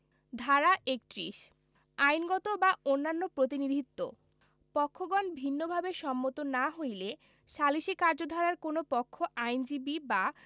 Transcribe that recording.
ধারা ৩১ আইনগত বা অন্যান্য প্রতিনিধিত্ব পক্ষগণ ভিন্নভাবে সম্মত না হইলে সালিসী কার্যধারার কোন পক্ষ আইনজীবী বা